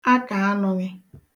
akàanụ̄ghị